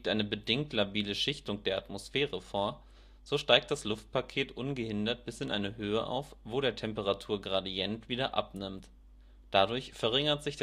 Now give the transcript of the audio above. eine bedingt labile Schichtung der Atmosphäre vor, so steigt das Luftpaket ungehindert bis in eine Höhe auf, wo der Temperaturgradient (Temperaturdifferenz pro Höhe) wieder abnimmt. Dadurch verringert sich